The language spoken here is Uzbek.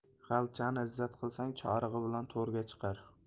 g'alchani izzat qilsang chorig'i bilan to'rga chiqar